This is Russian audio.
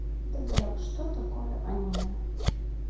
добряк что такое аниме